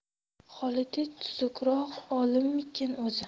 xolidiy tuzukroq olimmikin o'zi